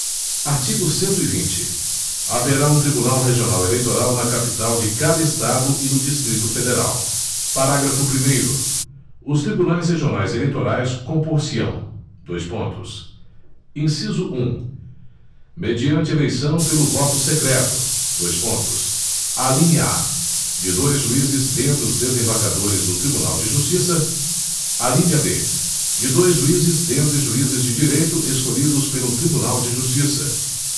artigo cento e vinte haverá um tribunal regional eleitoral na capital de cada estado e no distrito federal parágrafo primeiro os tribunais regionais eleitorais compor se ão dois pontos inciso um mediante eleição pelo voto secreto dois pontos alínea a de dois juízes dentre os desembargadores do tribunal de justiça alínea b de dois juízes dentre juízes de direito escolhidos pelo tribunal de justiça